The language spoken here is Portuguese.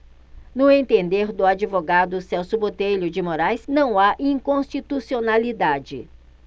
no entender do advogado celso botelho de moraes não há inconstitucionalidade